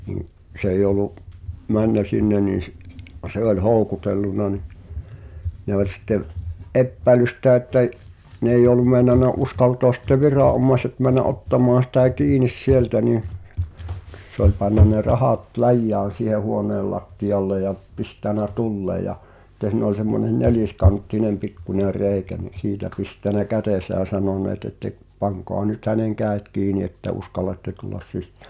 niin se ei ollut mennyt sinne niin - se oli houkutellut niin ne oli sitten epäillyt sitä että - ne ei ollut meinannut uskaltaa sitten viranomaiset mennä ottamaan sitä kiinni sieltä niin se oli pannut ne rahat läjään siihen huoneen lattialle ja pistänyt tulemaan ja sitten siinä oli semmoinen neliskanttinen pikkuinen reikä niin siitä pistänyt kätensä ja sanonut että pankaa nyt hänen kädet kiinni että uskallatte tulla sisään